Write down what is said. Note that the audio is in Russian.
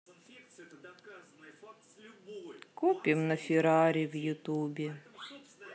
копим на феррари в ютубе